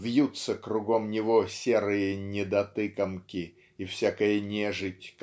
вьются кругом него серые недотыкомки и всякая нежить